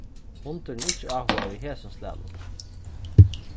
hundurin er ikki áhugaður í hesum slagnum